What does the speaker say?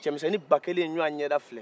cɛmisɛnnin ba kelen ye ɲɔɔn ɲɛda filɛ